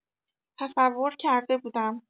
تصور کرده بودم.